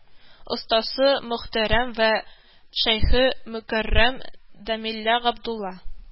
Остазы мохтәрәм вә шәйхе мөкәррәм дамелля габдулла